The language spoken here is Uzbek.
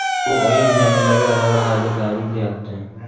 bu oying jamilaga arava haydataylik deyabdi